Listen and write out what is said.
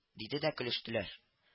— диде дә көлештеләр